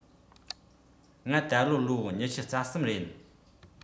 ང ད ལོ ལོ ཉི ཤུ རྩ གསུམ ཡིན